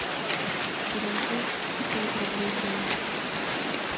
переведи пять рублей диме